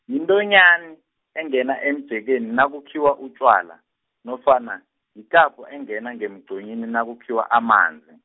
yintonyani, engena emjekeni nakukhiwa utjwala, nofana, yikapho engena ngemgqonyini nakukhiwa amanzi.